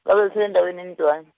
kuthiwa endaweni yeNdwana.